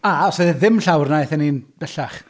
A os 'sa nhw ddim llawr yna aethon ni'n bellach.